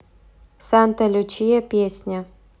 санталючия песня